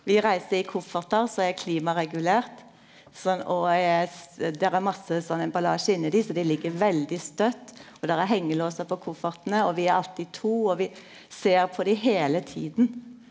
vi reiser i koffertar som er klimaregulert sånn og er der er masse sånn emballasje inni dei så dei ligg veldig støtt og der er hengelåsar på koffertane og vi er alltid to og vi ser på det heile tida.